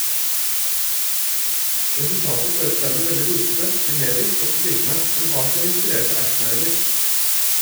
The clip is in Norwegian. Resultatet føles dermed veldig rotete, generisk og sprikende, men har sine inspirerte actionøyeblikk.